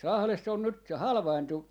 Lahdessa on nyt se halvaantui